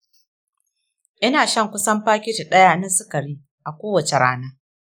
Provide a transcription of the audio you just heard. ina shan kusan paketi ɗaya na sigari a kowace rana.